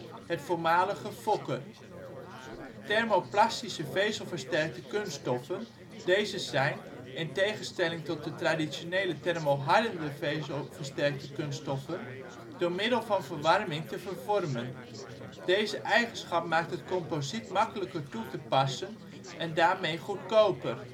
voormalige Fokker. Thermoplastische vezelversterkte kunststoffen; deze zijn, in tegenstelling tot de traditionele thermohardende vezelversterke kunststoffen, door middel van verwarming te vervormen. Deze eigenschap maakt de composiet makkelijker toe te passen en daarmee goedkoper